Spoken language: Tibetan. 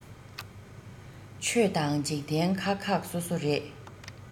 ཆོས དང འཇིག རྟེན ཁག ཁག སོ སོ རེད